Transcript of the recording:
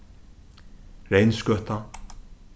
reynsgøta